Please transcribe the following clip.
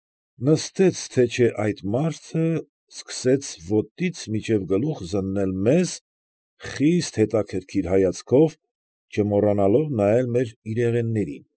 Նստեց թե չէ այդ մարդը, սկսեց ոտքից մինչև գլուխ զննել մեզ խիստ հետաքրքիր հայացքով, չմոռանալով նայել իրեղեններիս։